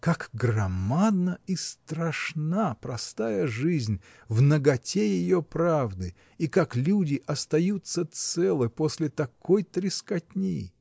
Как громадна и страшна простая жизнь в наготе ее правды и как люди остаются целы после такой трескотни!